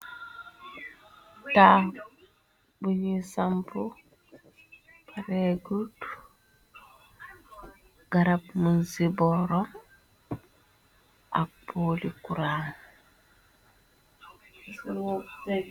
Taax buñuy sampru paregut. Garab mun si boro ak polu kuraan.